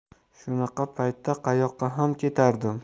shunaqa paytda qayoqqa ham ketardim